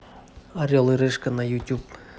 орел и решка на ютуб